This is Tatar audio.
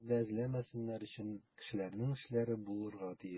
Керемнәрне башка җирләрдә эзләмәсеннәр өчен, кешеләрнең эшләре булырга тиеш.